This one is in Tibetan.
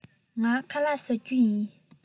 ངས ཁ ལག བཟས མེད